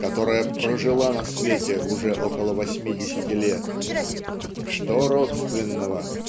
которая прожила на свете уже около восьмидесяти лет? Что родственного